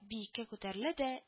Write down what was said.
Биеккә күтәрелә дә